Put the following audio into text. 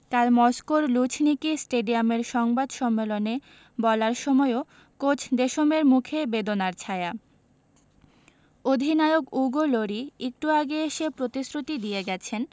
কাল মস্কোর লুঝনিকি স্টেডিয়ামের সংবাদ সম্মেলনে বলার সময়ও কোচ দেশমের মুখে বেদনার ছায়া অধিনায়ক উগো লরি একটু আগে এসে প্রতিশ্রুতি দিয়ে গেছেন